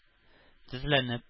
Тезләнеп